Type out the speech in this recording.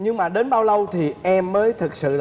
nhưng mà đến bao lâu thì em mới thực sự